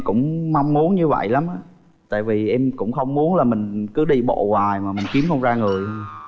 cũng mong muốn như vậy lắm ạ tại vì em cũng không muốn là mình cứ đi bộ ngoài mà mình kiếm không ra người